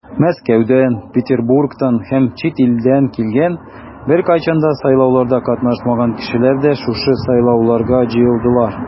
Мәскәүдән, Петербургтан һәм чит илдән килгән, беркайчан да сайлауларда катнашмаган кешеләр дә шушы сайлауларга җыелдылар.